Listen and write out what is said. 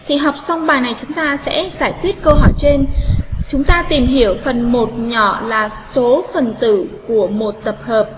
học xong bài này chúng ta sẽ giải quyết câu hỏi trên chúng ta tìm hiểu phần nhỏ là số phần tử của một tập hợp